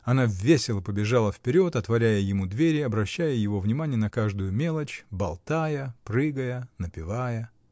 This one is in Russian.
Она весело побежала вперед, отворяя ему двери, обращая его внимание на каждую мелочь, болтая, прыгая, напевая.